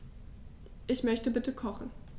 Ich möchte bitte kochen.